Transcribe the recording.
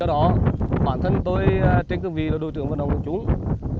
do đó bản thân tôi trên cương vị đội trưởng vận động quần chúng